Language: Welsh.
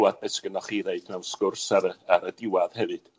glywad be' sgynnoch chi i ddeud mewn sgwrs ar y ar y diwadd hefyd.